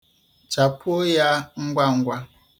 Chapuo ya ngwangwa.